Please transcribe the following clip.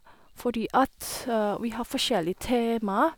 Fordi at vi har forskjellig tema.